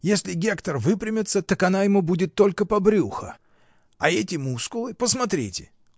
если Гектор выпрямится, так она ему будет только по брюхо. А эти мускулы, посмотрите.